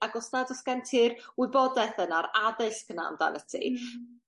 ag os nad o's gen ti'r wybodeth yna'r addysg yna amdanat ti